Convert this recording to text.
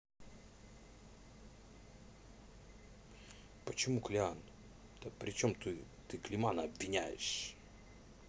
почему clean то причем тут почему ты климата обвинишь